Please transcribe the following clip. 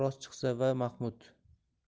rost chiqsa ya mahmud